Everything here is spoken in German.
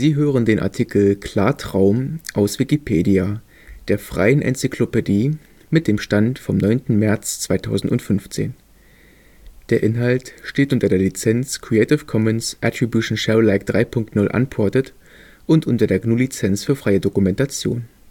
hören den Artikel Klartraum, aus Wikipedia, der freien Enzyklopädie. Mit dem Stand vom Der Inhalt steht unter der Lizenz Creative Commons Attribution Share Alike 3 Punkt 0 Unported und unter der GNU Lizenz für freie Dokumentation